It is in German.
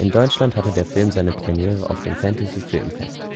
Deutschland hatte der Film seine Premiere auf dem Fantasy Filmfest